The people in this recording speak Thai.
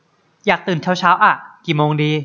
อยากตื่นเช้าเช้าอะกี่โมงดี